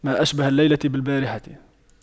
ما أشبه الليلة بالبارحة